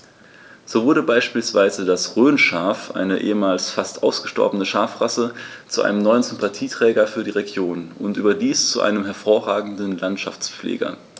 So wurde beispielsweise das Rhönschaf, eine ehemals fast ausgestorbene Schafrasse, zu einem neuen Sympathieträger für die Region – und überdies zu einem hervorragenden Landschaftspfleger.